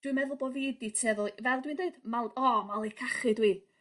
Dwi'n meddwl bo' fi 'di tueddol... Fel dwi'n deud mal- o malu cachu dw i.